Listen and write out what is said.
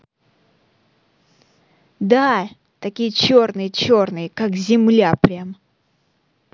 да такие черные черные как земля прям